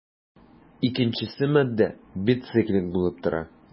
Икенчесе матдә бициклик булып тора.